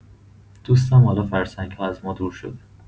دوستم حالا فرسنگ‌ها از ما دور شده!